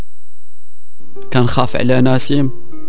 كان خف علينا سمسم